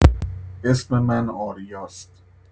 اسم من آریاست.